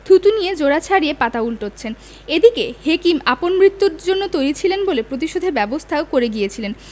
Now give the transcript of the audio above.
থুথু নিয়ে জোড়া ছাড়িয়ে পাতা উল্টোচ্ছেন এদিকে হেকিম আপন মৃত্যুর জন্য তৈরি ছিলেন বলে প্রতিশোধের ব্যবস্থাও করে গিয়েছিলেন